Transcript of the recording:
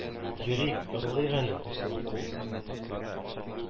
Йөрик , ырлыйк әле, дуслар